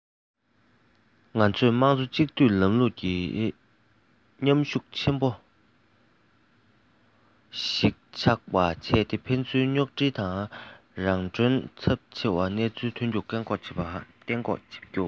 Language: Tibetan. ང ཚོས དམངས གཙོ གཅིག སྡུད ལམ ལུགས ཀྱི མཉམ ཤུགས ཆེན པོ ཞིག ཆགས པ བྱས ཏེ ཕན ཚུན རྙོག འཁྲིལ དང རང གྲོན ཚབས ཆེ བའི སྣང ཚུལ ཐོན རྒྱུ གཏན འགོག བྱེད དགོས